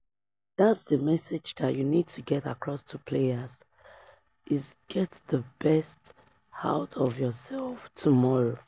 That's the message that you need to get across to players, is get the best out of yourself tomorrow.